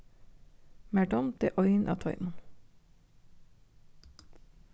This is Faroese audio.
mær dámdi ein av teimum